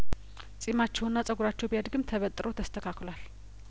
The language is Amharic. ጺማቸውና ጹጉራቸው ቢያድግም ተበጥሮ ተስተካክሏል